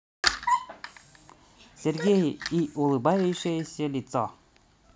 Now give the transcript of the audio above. сергей и улыбающееся лицо